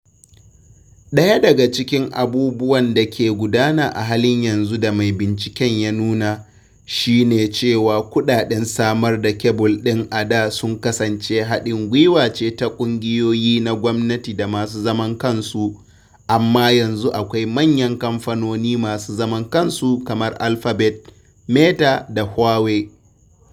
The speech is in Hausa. Ɗaya daga cikin abubuwan da ke gudana a halin yanzu da mai binciken ya nuna, shi ne cewa kuɗaɗen samar da kebul ɗin a da sun kasance haɗin gwiwa ce ta ƙungiyoyi na gwamnati da masu zaman kansu, amma yanzu akwai manyan kamfanoni masu zaman kansu kamar Alphabet, Meta da Huawei.